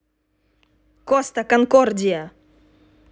коста конкордия